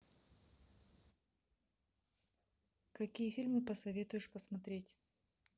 какие фильмы посоветуешь посмотреть